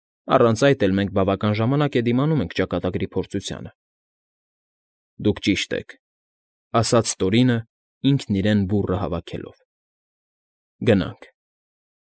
Առանց այդ էլ մենք բավական ժամանակ է դիմանում ենք ճակատագրի փորձությանը։ ֊ Դուք ճիշտ եք,֊ ասաց Տորինը՝ ինքն իրեն բուռը հավաքելով։֊ Գնանք։